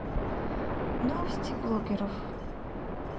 новости блогеров